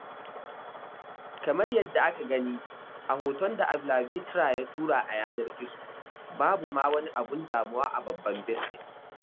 Kamar yadda aka gani a hoton da avylavitra ya tura a yanar gizo, babu ma wani abun damuwa a babban birnin.